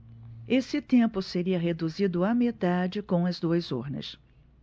esse tempo seria reduzido à metade com as duas urnas